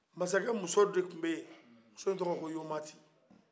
masakɛmuso de tun bɛ ye muso tɔgɔ ko yomati